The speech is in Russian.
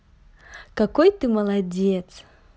какой ты молодец